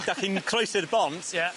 'Dach chi'n croesi'r bont. Ie.